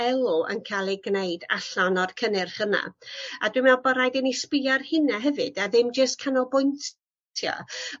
elw yn ca'l ei gneud allan o'r cynnyrch yna a dwi'n me'wl bo raid i ni sbïo a'r hynna hefyd a ddim jyst canolbwyntio ...